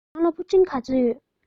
རང ལ ཕུ འདྲེན ག ཚོད ཡོད